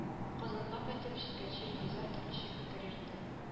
Казанга кайтып җиткәнче илгизәр төрлечә фикер йөртте